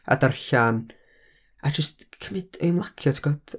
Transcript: a darllan, a jyst cymyd, i ymlacio, tibod?